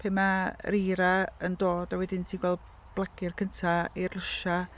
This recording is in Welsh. pan ma' yr eira yn dod a wedyn ti'n gweld blagur cynta eirlysiau.